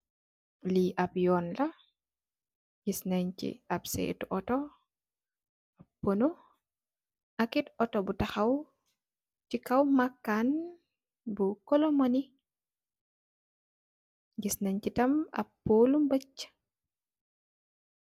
Li ap yunla giss neensi ap setu auto ponuh ak autor bu takhaw si kaw makaan bi